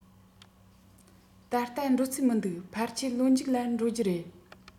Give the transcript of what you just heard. ད ལྟ འགྲོ རྩིས མི འདུག ཕལ ཆེར ལོ མཇུག ལ འགྲོ རྒྱུ རེད